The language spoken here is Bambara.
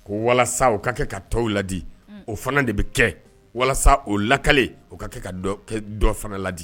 Ko walasa u ka kɛ ka tɔw ladi o fana de bɛ kɛ walasa o lakalile o ka kɛ ka dɔ fana ladi